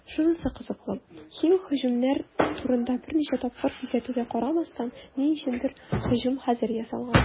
Шунысы кызыклы, химик һөҗүмнәр турында берничә тапкыр кисәтүгә карамастан, ни өчендер һөҗүм хәзер ясалган.